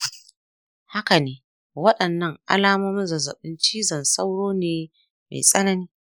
haka ne, waɗannan alamomin zazzabin cizon sauro ne mai tsanani.